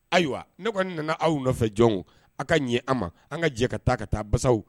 Ayiwa ne kɔni ne nana aw nɔfɛ jɔn aw ka ɲɛ an ma an ka jɛ ka taa ka taa basaw